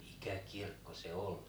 mikä kirkko se oli